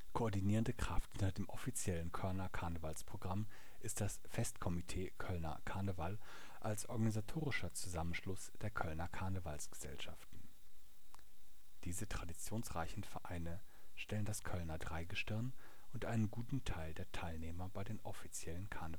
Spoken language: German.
Koordinierende Kraft hinter dem offiziellen Kölner Karnevalsprogramm ist das Festkomitee Kölner Karneval als organisatorischer Zusammenschluss der Kölner Karnevalsgesellschaften. Diese traditionsreichen Vereine stellen das Kölner Dreigestirn und einen guten Teil der Teilnehmer bei den offiziellen Karnvalszügen. Die